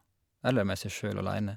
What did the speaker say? Eller med seg sjøl alene.